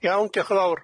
Iawn dioch yn fawr.